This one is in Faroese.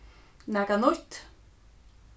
nakað nýtt